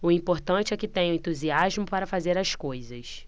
o importante é que tenho entusiasmo para fazer as coisas